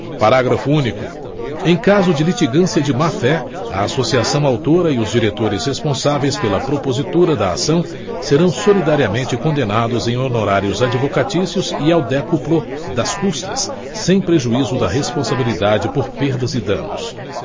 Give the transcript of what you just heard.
parágrafo único em caso de litigância de máfé a associação autora e os diretores responsáveis pela propositura da ação serão solidariamente condenados em honorários advocatícios e ao décuplo das custas sem prejuízo da responsabilidade por perdas e danos